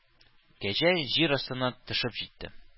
Кәҗә җир астына төшеп җитте